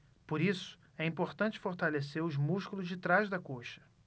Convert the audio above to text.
por isso é importante fortalecer os músculos de trás da coxa